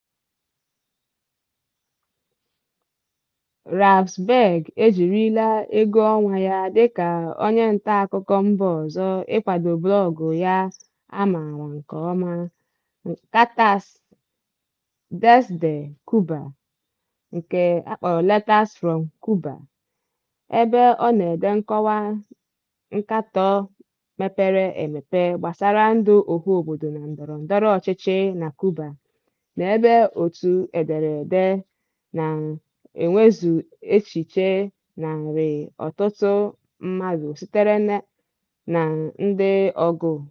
Ravsberg ejirila ego ọnwa ya dịka onye ntaakụkọ mba ọzọ ịkwado blọọgụ ya a maara nke ọma "Cartas desde Cuba” (Letters from Cuba), ebe ọ na-ede nkọwa nkatọ mepere emepe gbasara ndụ ọhaobodo na ndọrọndọrọ ọchịchị na Cuba, na ebe otu ederede na-enwezu echiche narị ọtụtụ mmadụ sitere na ndị ọgụụ.